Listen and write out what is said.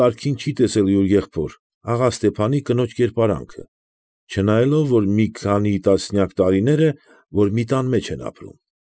Կերպարանքը, չնայելով որ մի քանի տասնյակ տարիներ է, որ մի տան մեջ են ապրում։